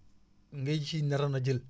ngay si naroon a jël